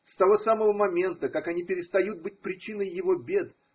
С того самого момента, как они перестают быть причиной его бед.